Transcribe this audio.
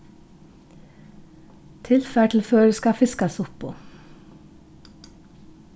tilfar til føroyska fiskasuppu